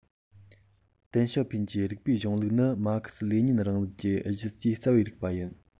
ཏེང ཞའོ ཕིན གྱི རིགས པའི གཞུང ལུགས ནི མར ཁེ སི ལེ ཉིན རིང ལུགས ཀྱི གཞི རྩའི རྩ བའི རིགས པ ཡིན